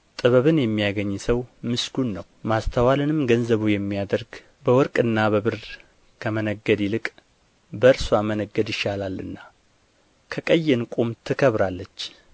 ጥበብን የሚያገኝ ሰው ምስጉን ነው ማስተዋልንም ገንዘቡ የሚያደርግ በወርቅና በብር ከመነገድ ይልቅ በእርስዋ መነገድ ይሻላልና ከቀይ ዕንቍም ትከብራለች